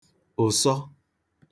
ụ̀sọ